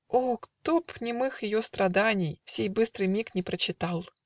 Х О, кто б немых ее страданий В сей быстрый миг не прочитал!